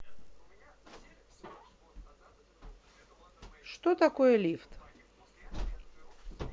что такое лифт